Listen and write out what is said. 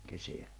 kesää